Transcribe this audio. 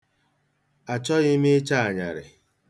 Achọghị m ịcha anyarị